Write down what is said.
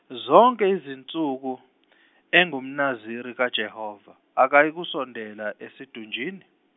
zonke izinsuku , enguMnaziri kaJehova akayikusondela esidunjini.